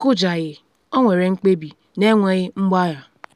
Ọ kụjaghị, ọ nwere mkpebi, na enweghị mgbagha.”